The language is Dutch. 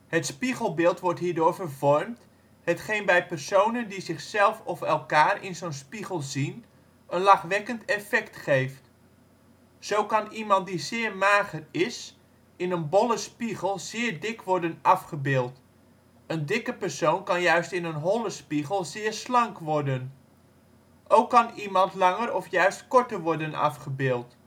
Het spiegelbeeld wordt hierdoor vervormd, hetgeen bij personen die zichzelf of elkaar in zo 'n spiegel zien, een lachwekkend effect geeft. Zo kan iemand die zeer mager is, in een bolle spiegel zeer dik worden afgebeeld. Een dikke persoon kan juist in een holle spiegel zeer slank worden. Ook kan iemand langer of juist korter worden afgebeeld